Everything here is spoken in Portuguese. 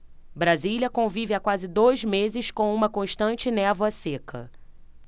brasília convive há quase dois meses com uma constante névoa seca